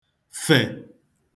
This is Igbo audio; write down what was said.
fè